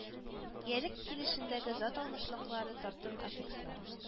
Иялек килешендәге зат алмашлыклары тартым аффикслары